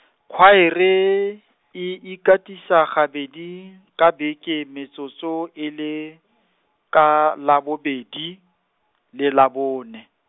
Khwaere , e ikatisa gabedi, ka beke metsotso e le , ka Labobedi, le Labone.